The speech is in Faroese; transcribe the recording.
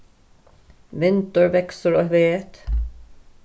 vindur veksur eitt vet